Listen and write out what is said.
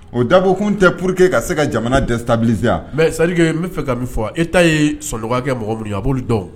O dabo kun tɛ po que ka se ka jamana dɛsɛ tabisi mɛ salike n' bɛ fɛ ka min fɔ e ta ye solokɛ mɔgɔ ye a b'oolu dɔn